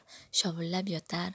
shovullab yotar